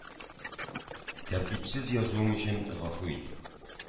Тәртипсез язуым өчен гафу ит.